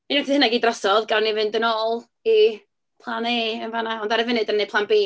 Unwaith fydd hynna i gyd drosodd, gawn ni fynd yn ôl i plan A yn fan'na, ond ar y funud dan ni'n neud plan B.